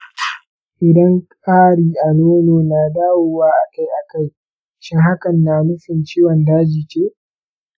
idan ƙari a nono na dawowa akai-akai, shin hakan na nufin ciwon daji ce?